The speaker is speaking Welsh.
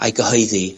a'i gyhoeddi.